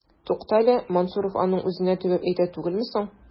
Тукта әле, Мансуров аның үзенә төбәп әйтә түгелме соң? ..